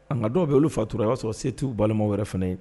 A nka dɔw bɛ olu fatura o y'a sɔrɔ setu u balimaw wɛrɛ fana ye